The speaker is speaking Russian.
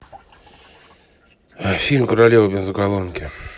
фильм королева бензоколонки